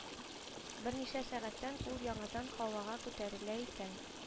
Берничә сәгатьтән ул яңадан һавага күтәрелә икән